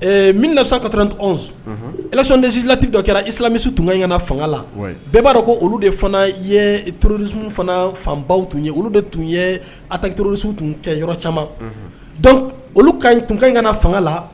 ye minina sa kattɔnsondensilati dɔ kɛra iinamisi tun kagana fanga la bɛɛ b'a dɔn ko olu de fana yeroris fanw tun olu de tun ye atarrosu tun kɛ yɔrɔ caman dɔn olu ka tunkan ingana fanga la